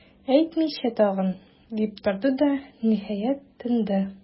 Әйтмичә тагы,- дип торды да, ниһаять, тынды.